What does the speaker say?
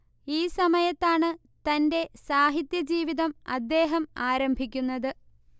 ഈ സമയത്താണ് തന്റെ സാഹിത്യ ജീവിതം അദ്ദേഹം ആരംഭിക്കുന്നത്